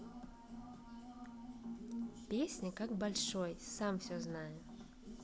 песня как большой сам все знаю